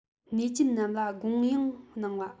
ཉེས ཅན རྣམས ལ དགོངས ཡངས གནང བ